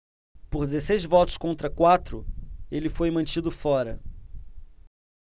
por dezesseis votos contra quatro ele foi mantido fora